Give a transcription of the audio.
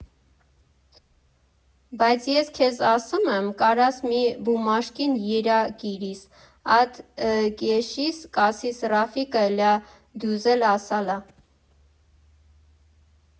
Բայց ես քեզ ասումըմ, կարաս մին բումաժկին յիրա կիրիս, ատ կյեշիս կասիս Ռաֆիկը լյա դյուզ էլ ասալա.